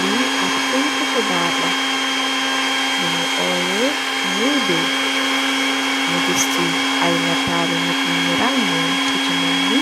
Li ap kayitu xibarr la bi ñuy óyeh ñuu day ñu gis ci nital nit yu ñu raañeh ku ci melni